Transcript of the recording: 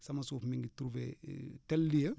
sama suuf mi ngi trouver tel lieu